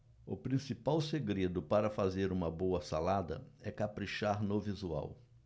o principal segredo para fazer uma boa salada é caprichar no visual